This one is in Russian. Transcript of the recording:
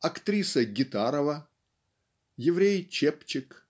актриса Гитарова еврей Чепчик